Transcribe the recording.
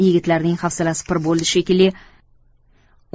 yigitlarning hafsalasi pir bo'ldi shekilli